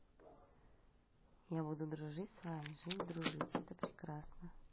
я буду дружить с вами жить дружить это прекрасно